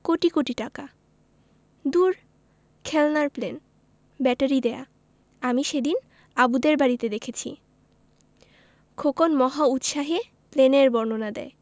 কোটি কোটি টাকা দূর খেলনার প্লেন ব্যাটারি দেয়া আমি সেদিন আবুদের বাড়িতে দেখেছি খোকন মহা উৎসাহে প্লেনের বর্ণনা দেয়